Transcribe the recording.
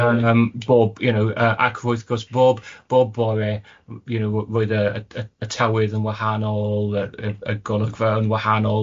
Yym bob you know yy ac wrth gwrs bob bob bore you know roedd y y y tawydd yn wahanol y y y golygfa yn wahanol.